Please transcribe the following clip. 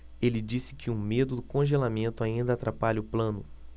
ele disse que o medo do congelamento ainda atrapalha o plano